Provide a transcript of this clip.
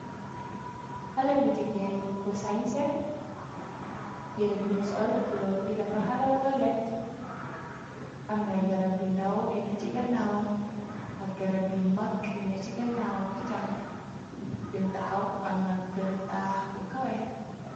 Xale bu jigeen bu sanse yerebim soll coloor bi dafa xala voylet amna garab yu ndaw yuna ci ganaawam ak garab yu mag yuna ci ganaawam itam fim taxaw amna kër taax bu kawe.